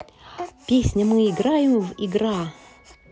песня мы поиграем в игра